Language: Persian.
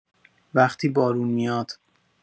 وقتی بارون میاد